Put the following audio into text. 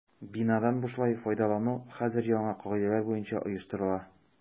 Бинадан бушлай файдалану хәзер яңа кагыйдәләр буенча оештырыла.